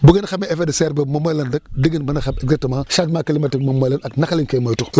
bu ngeen xamee effet de serre boobu moom mooy lan rek di ngeen mën a xam exactement changement climatique moom mooy lan ak naka lañ koy moytoo